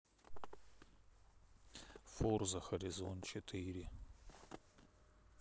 форза харизон четыре